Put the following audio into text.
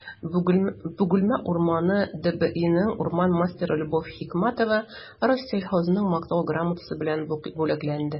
«бөгелмә урманы» дбинең урман мастеры любовь хикмәтова рослесхозның мактау грамотасы белән бүләкләнде